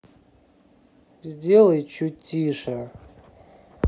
сделай чуть тише